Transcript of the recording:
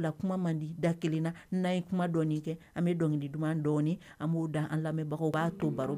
O la ka man di da kelen na n'a ye kuma dɔn kɛ an bɛ dɔnkili duman dɔnin, an b'o da an lamɛnbagaw o b'a to baro.